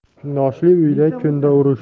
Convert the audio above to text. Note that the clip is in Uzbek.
kundoshli uyda kunda urush